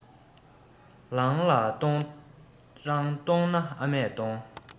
ལང ལ གཏོང རང གཏོང ན ཨ མས གཏོང